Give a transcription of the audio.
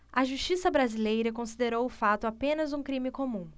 a justiça brasileira considerou o fato apenas um crime comum